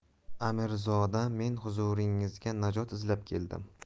amirzodam men huzuringizga najot izlab keldim